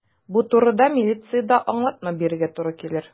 Бу турыда милициядә аңлатма бирергә туры килер.